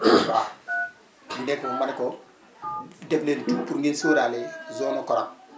waaw ñu ne ko ma ne ko def leen tout pour ngeen sóoraale zone nu Korab